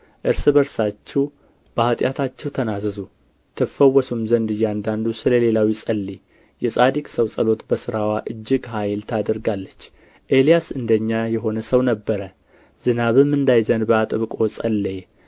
እርስ በርሳችሁ በኃጢአታችሁ ተናዘዙ ትፈወሱም ዘንድ እያንዳንዱ ስለ ሌላው ይጸልይ የጻድቅ ሰው ጸሎት በሥራዋ እጅግ ኃይል ታደርጋለች ኤልያስ እንደ እኛ የሆነ ሰው ነበረ ዝናብም እንዳይዘንብ አጥብቆ ጸለየ